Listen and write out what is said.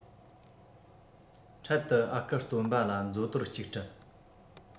འཕྲལ དུ ཨ ཁུ སྟོན པ ལ མཛོ དོར གཅིག སྤྲད